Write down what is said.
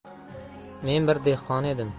men bir dehqon edim